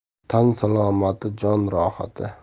tan salomati jon rohati